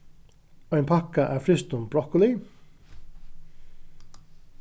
ein pakka av frystum brokkoli